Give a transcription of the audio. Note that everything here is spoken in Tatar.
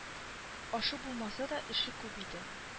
Ашы булмаса да эше күп иде